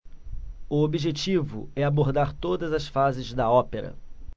o objetivo é abordar todas as fases da ópera